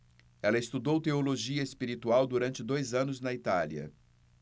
ela estudou teologia espiritual durante dois anos na itália